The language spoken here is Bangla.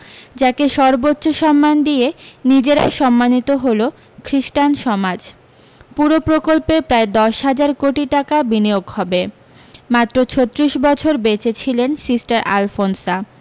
যাকে সর্বোচ্চ সম্মান দিয়ে নিজেরাই সম্মানিত হল খ্রীস্টান সমাজ পুরো প্রকল্পে প্রায় দশ হাজার কোটি টাকা বিনিয়োগ হবে মাত্র ছত্রিশ বছর বেঁচে ছিলেন সিস্টার আলফোনসা